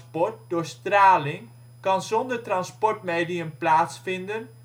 straling kan zonder transportmedium plaatsvinden